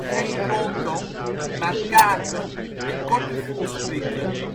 geen roltong maar kaken en korte voelsprieten